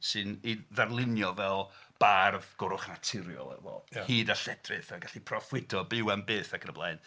..sy'n ei ddarlunio fel bardd goruwchnaturiol efo hud a lledrith a gallu proffwydo, byw am byth, ac yn y blaen.